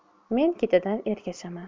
men ketidan ergashaman